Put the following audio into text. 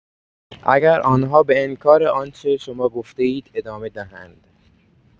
اگر آن‌ها به انکار آنچه شما گفته‌اید ادامه دهند.